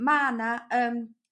ma' 'na yym